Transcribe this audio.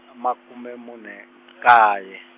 a makume mune , kaye.